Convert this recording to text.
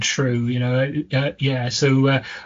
true you know, yy yy ie, ie so yy